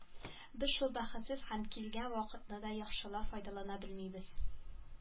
Без шул бәхетсез һәм килгән вакытны да яхшылап файдалана белмибез.